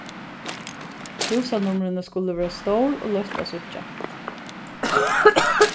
húsanummurini skulu vera stór og løtt at síggja